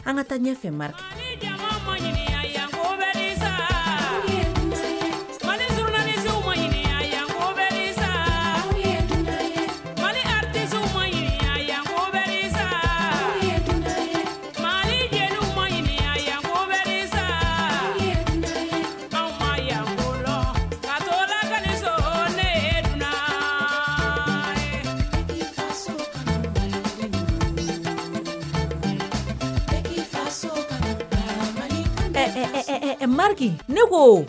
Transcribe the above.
An ka taa ɲɛfɛ ja ma ɲini yan ko bɛ sa malinim ɲini ko bɛ sa malida ma ɲininka yan ko bɛsa mali jɛ ma ɲininka yan ko bɛ sa ma yagolɔ ka sokɛ bɛ deli le la ka so ka so mariki ne ko